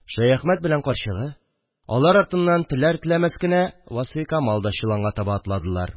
Шәяхмәт белән карчыгы, алар артыннан теләр-теләмәс кенә Васфикамал да чоланга таба атладылар